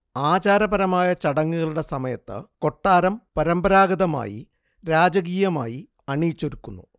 ആചാരപരമായ ചടങ്ങുകളുടെ സമയത്ത് കൊട്ടാരം പരമ്പരാഗതമായി രാജകീയമായി അണിയിച്ചൊരുക്കുന്നു